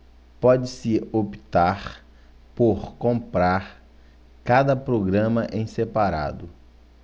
pode-se optar por comprar cada programa em separado